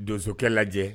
Donsokɛla lajɛ